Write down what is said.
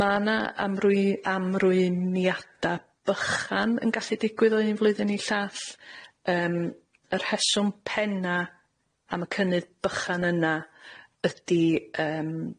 Ma' na amrwy- amrwymiada bychan yn gallu digwydd o un flwyddyn i llall, yym y rheswm penna am y cynnydd bychan yna ydi yym